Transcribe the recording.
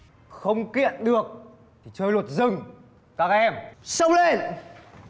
không kiện được thì chơi luật rừng các em xông lên